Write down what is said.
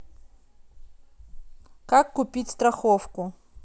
как купить страховку